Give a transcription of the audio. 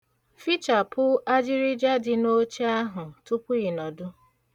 Fichapụ ajịrịja dị n'oche ohụ tupu ị nọdụ.